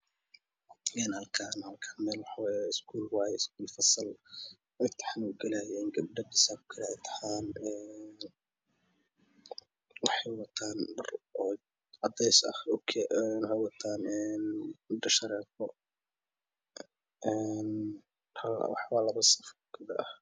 Halkaan iskuul wayee iskuul fasal wayee imtixaan lagu galoyo Gabdha bisa agalyo imtixaanw axey wataan dhar oo cdees ah indho shareero waa lapa saf oo gabdha ah